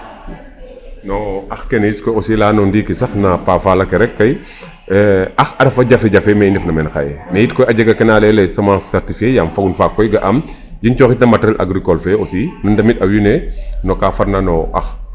No ax kene est ce que aussi layano ndiiki sax na paafaal ake rek kay ax a refa jaje jafe me i ndefna meen xaye me yit koy a jega kena layel ee semence certifiée yaam fogun faak koy ga'aam yen cooxitna materiel agricole fe aussi nu ndamitaa wiin we no ka farna no ax.